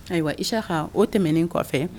Ayiwa , Isiaisa, o tɛmɛnen kɔfɛ,